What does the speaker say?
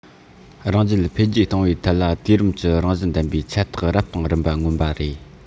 རང རྒྱལ འཕེལ རྒྱས གཏོང བའི ཐད ལ དུས རིམ གྱི རང བཞིན ལྡན པའི ཁྱད རྟགས རབ དང རིམ པ མངོན པ རེད